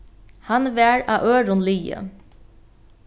hann var á øðrum liði